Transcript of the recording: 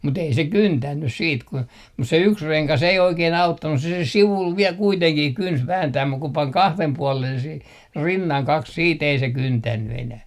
mutta ei se kyntänyt sitten kun mutta se yksi rengas ei oikein auttanut se se sivulla vielä kuitenkin kynti vääntää mutta kun pani kahden puolen siihen rinnan kaksi sitten ei se kyntänyt enää